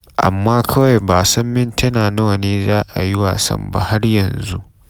Amma kawai ba san mintina nawa ne zai yi wasan ba har yanzu.